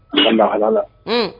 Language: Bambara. A ka lahala la unh